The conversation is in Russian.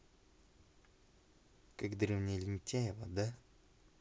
как деревня лентяево да